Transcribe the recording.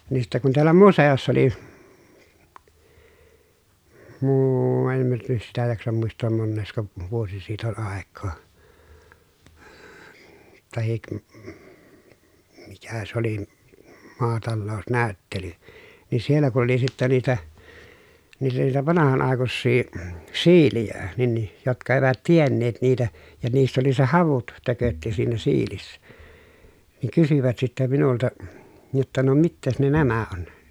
niin sitten kun täällä museossa oli - en minä - niin sitä jaksa muistaa monesko vuosi siitä oli aikaa tai mikä se oli maatalousnäyttely niin siellä kun oli sitten niitä niitä niitä vanhan aikuisia siilejä niin niin jotka eivät tienneet niitä ja niissä oli se havut tökötti siinä siilissä niin kysyvät sitten minulta jotta no mitäs ne nämä on